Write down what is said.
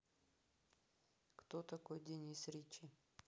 кто такой деннис ритчи